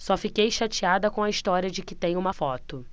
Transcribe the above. só fiquei chateada com a história de que tem uma foto